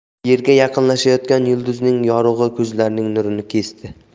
yerga yaqinlashayotgan yulduzning yorug'i ko'zlarning nurini kesdi